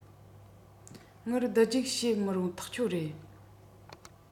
དངུལ བསྡུ རྒྱུག བྱེད མི རུང ཐག ཆོད རེད